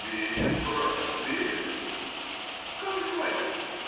— Видит, братец, видит. — Как же, бачка?